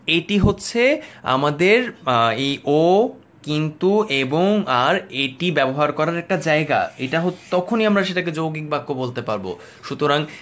এটি হচ্ছে আমাদের এবং ও আর কিন্তু এটি ব্যবহার করার একটা জায়গা এটা তখনই আমরা সেটাকে যৌগিক বাক্য বলতে পারব সুতরাং